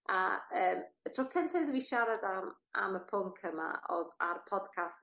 a yym y tro cynta iddo fi siarad am am y pwnc yma o'dd a'r podcast...